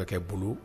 Bolo